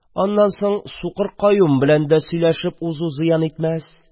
Аннан соң Сукыр Каюм* белән дә сөйләшеп узу зыян итмәс.